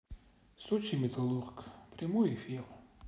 сочи металлург прямой эфир